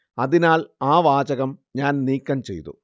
അതിനാൽ ആ വാചകം ഞാൻ നീക്കം ചെയ്തു